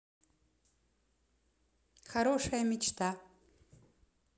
хорошая мечта